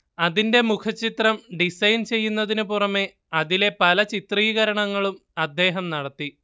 അതിന്റെ മുഖചിത്രം ഡിസൈൻ ചെയ്യുന്നതിനു പുറമേ അതിലെ പല ചിത്രീകരണങ്ങളും അദ്ദേഹം നടത്തി